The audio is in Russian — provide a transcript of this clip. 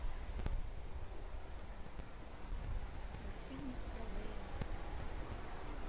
мультфильм про лейлу